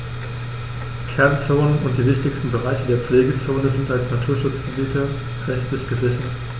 Kernzonen und die wichtigsten Bereiche der Pflegezone sind als Naturschutzgebiete rechtlich gesichert.